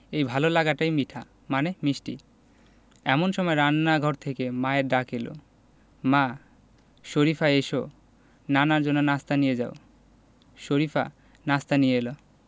এই ভালো লাগাটাই মিঠা মানে মিষ্টি এমন সময় রান্নাঘর থেকে মায়ের ডাক এলো মা শরিফা এসো নানার জন্য নাশতা নিয়ে যাও শরিফা নাশতা নিয়ে এলো